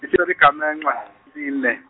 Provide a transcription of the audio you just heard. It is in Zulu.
seligfamenxe elesine.